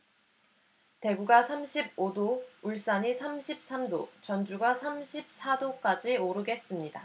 대구가 삼십 오 도 울산이 삼십 삼 도 전주가 삼십 사 도까지 오르겠습니다